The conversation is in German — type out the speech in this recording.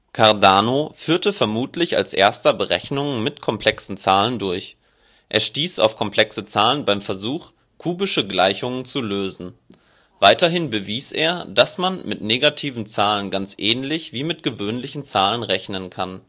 Cardano führte vermutlich als erster Berechnungen mit komplexen Zahlen durch. Er stieß auf komplexe Zahlen beim Versuch, kubische Gleichungen zu lösen. Weiterhin bewies er, dass man mit negativen Zahlen ganz ähnlich wie mit gewöhnlichen Zahlen rechnen kann